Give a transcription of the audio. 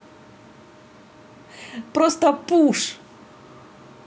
просто пуш